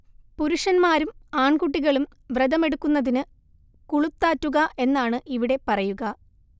പുരുഷന്മാരും ആൺകുട്ടികളും വ്രതമെടുക്കുന്നതിന് കുളുത്താറ്റുക എന്നാണ് ഇവിടെ പറയുക